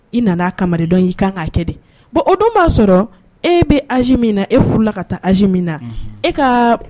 Nanai kɛ o don b'a sɔrɔ e bɛ az min na e furula ka taa az na e ka